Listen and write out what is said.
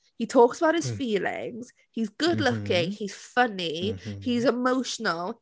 He talks about his feelings. He's good looking. He's funny. He's emotional...